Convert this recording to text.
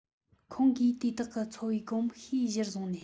ཁོང གིས དེ དག གི འཚོ བའི གོམ གཤིས གཞིར བཟུང ནས